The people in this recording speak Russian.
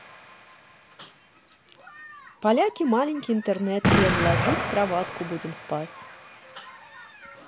поляки маленький интернет лен ложись кроватку будем спать